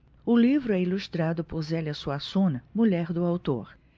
o livro é ilustrado por zélia suassuna mulher do autor